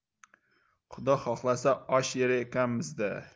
xudo xohlasa osh yer ekanmiz da